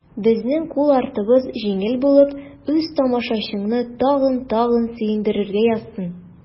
Безнең кул артыбыз җиңел булып, үз тамашачыңны тагын-тагын сөендерергә язсын.